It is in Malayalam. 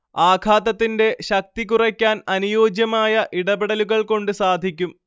ആഘാതത്തിന്റെ ശക്തി കുറയ്ക്കാൻ അനുയോജ്യമായ ഇടപെടലുകൾകൊണ്ടു സാധിക്കും